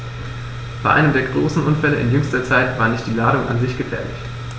Bei einem der großen Unfälle in jüngster Zeit war nicht die Ladung an sich gefährlich.